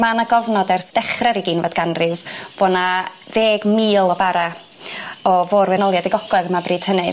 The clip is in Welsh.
Ma' 'na gofnod ers dechre'r uginfad ganrif bo' 'na ddeg mil o bara' o fôr-wenoliad y gogledd yma bryd hynny.